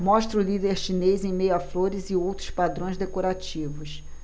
mostra o líder chinês em meio a flores e outros padrões decorativos